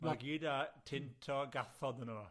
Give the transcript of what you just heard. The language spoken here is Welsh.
Ma' gyd â tint o gathod yno fo.